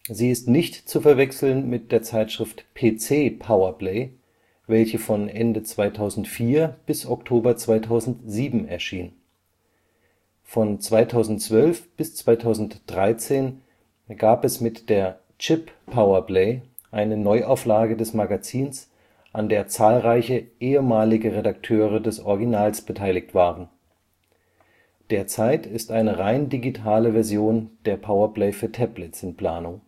Sie ist nicht zu verwechseln mit der Zeitschrift PC PowerPlay, welche von Ende 2004 bis Oktober 2007 erschien. Von 2012 bis 2013 gab es mit der CHIP Power Play eine Neuauflage des Magazins, an der zahlreiche ehemalige Redakteure des Originals beteiligt waren. Derzeit ist eine rein digitale Version der Power Play für Tablets in Planung